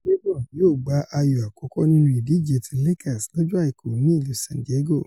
LeBron yóò gba ayò àkọ́kọ́ nínú ìdíje ti Lakers lọ́jọ́ Àìkú ni ìlú San Diego.